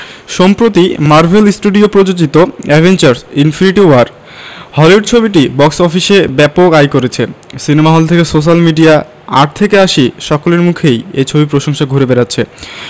সম্প্রতি Marvel studio প্রযোজিত Avengers Infinity War Hollywood ছবিটি বক্স অফিসে ব্যাপক আয় করছে সিনেমা হল থেকে সোশ্যাল মিডিয়া আট থেকে আশি সকলের মুখেই এই ছবির কথা ঘুরে বেড়াচ্ছে